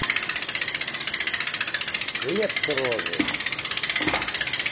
лепс рожи